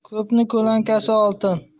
ko'pning ko'lankasi oltin